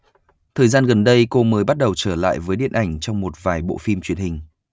thời gian gần đây cô mới bắt đầu trở lại với điện ảnh trong một vài bộ phim truyền hình